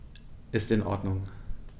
Ist in Ordnung.